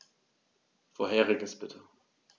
Vorheriges bitte.